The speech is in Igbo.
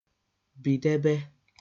bìdébé